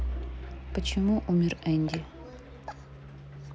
почему умер энди